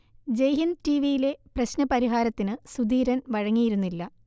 ജയ്ഹിന്ദ് ടിവിയിലെ പ്രശ്ന പരിഹാരത്തിന് സുധീരൻ വഴങ്ങിയിരുന്നില്ല